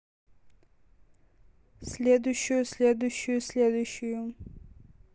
следующую следующую следующую